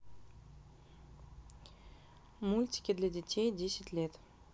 мультики для детей десять лет